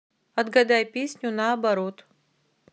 отгадай песню наоборот